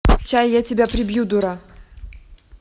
чай я тебя прибью дура